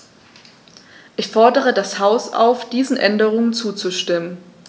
Ich fordere das Haus auf, diesen Änderungen zuzustimmen.